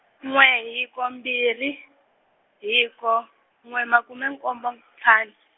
n'we hiko mbirhi, hiko, nwe makume nkombo ntlhanu.